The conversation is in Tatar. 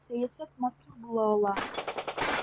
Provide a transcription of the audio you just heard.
Сәясәт матур була ала!